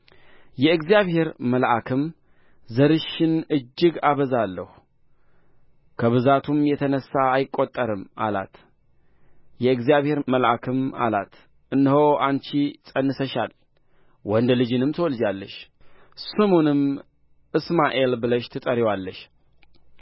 የእግዚአብሔር መልአክም ዘርሽን እጅግ አበዛለሁ ከብዛቱም የተነሣ አይቆጠርም አላት የእግዚአብሔር መልአክም አላት እነሆ አንቺ ፀንሰሻል ወንድ ልጅንም ትወልጃለሽ ስሙንም እስማኤል ብለሽ ትጠሪዋለሽ